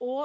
og